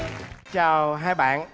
chào hai bạn